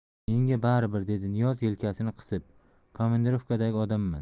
menga bari bir dedi niyoz yelkasini qisib komandirovkadagi odamman